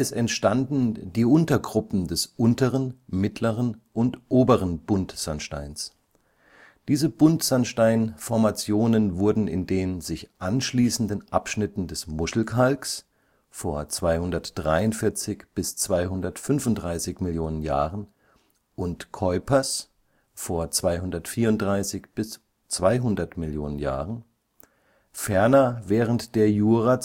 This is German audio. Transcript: entstanden die Untergruppen des unteren, mittleren und oberen Buntsandsteins. Diese Buntsandsteinformationen wurden in den sich anschließenden Abschnitten des Muschelkalks (vor 243 – 235 Millionen Jahren) und Keupers (vor 234 – 200 Millionen Jahren), ferner während der Jura